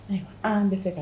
Bɛ se ka